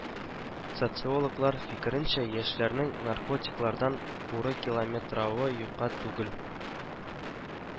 Социологлар фикеренчә, яшьләрнең наркотиклардан курыкилометравы юкка түгел